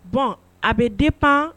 Bon a bɛ dépend